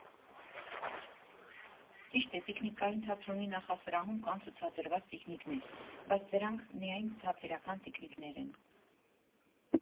Ճիշտ է, Տիկնիկային թատրոնի նախասրահում կան ցուցադրված տիկնիկներ, բայց դրանք միայն թատերական տիկնիկներ են։